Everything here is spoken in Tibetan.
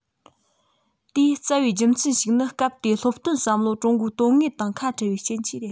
དེའི རྩ བའི རྒྱུ མཚན ཞིག ནི སྐབས དེའི སློབ སྟོན བསམ བློ ཀྲུང གོའི དོན དངོས དང ཁ བྲལ བའི རྐྱེན གྱིས རེད